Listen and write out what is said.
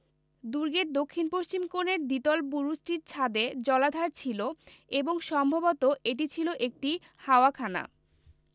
দুর্গের দক্ষিণপশ্চিম কোণের দ্বিতল বুরুজটির ছাদে জলাধার ছিল এবং সম্ভবত এটি ছিল একটি হাওয়াখানা